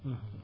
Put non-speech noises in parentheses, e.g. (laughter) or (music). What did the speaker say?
(hesitation) (hesitation)